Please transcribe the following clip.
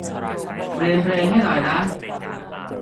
เปลี่ยนเพลงให้หน่อยนะ